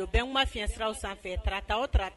Radio Bɛnkuma fiyɛn siraw sanfɛ tarata o tara